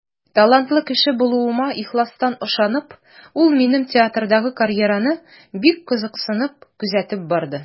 Талантлы кеше булуыма ихластан ышанып, ул минем театрдагы карьераны бик кызыксынып күзәтеп барды.